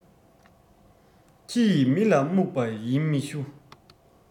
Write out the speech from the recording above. ཁྱི ཡིས མི ལ རྨྱུག པ ཡིན མི ཞུ